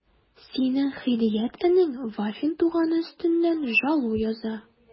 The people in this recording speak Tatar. Синең Һидият энең Вафин туганы өстеннән жалу яза...